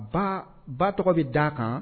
Ba ba tɔgɔ bɛ d a kan